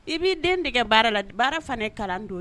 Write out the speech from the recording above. I b'i den dege baara la baara fana ye kalan don